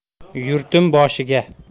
yurtim boshiga